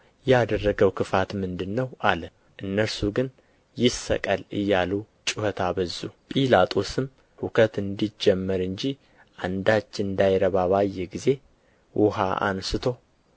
ያደረገው ክፋት ምንድር ነው አለ እነርሱ ግን ይሰቀል እያሉ ጩኸት አበዙ ጲላጦስም ሁከት እንዲጀመር እንጂ አንዳች እንዳይረባ ባየ ጊዜ ውኃ አንሥቶ